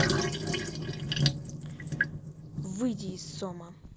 выйди из сома